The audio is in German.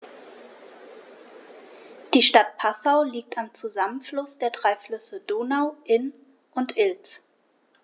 Die Stadt Passau liegt am Zusammenfluss der drei Flüsse Donau, Inn und Ilz.